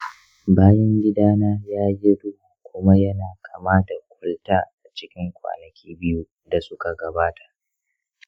bayan gida na ya yi duhu kuma yana kama da kwalta a cikin kwanaki biyu da suka gabata.